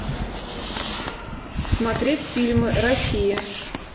смотреть фильмы россия